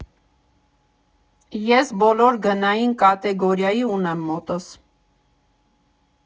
Ես բոլոր գնային կատեգորիայի ունեմ մոտս։